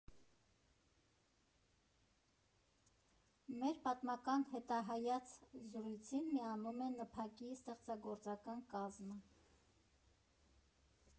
Մեր պատմական հետահայաց զրույցին միանում է ՆՓԱԿ֊ի ատեղծագործական կազմը։